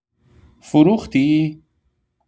فروختی؟